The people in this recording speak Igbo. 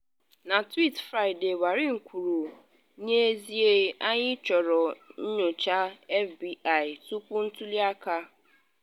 Na tweet Fraịde Warren kwuru ”n’ezie anyị chọrọ nyocha FBI tupu ntuli aka.”